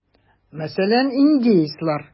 Мәсәлән, индеецлар.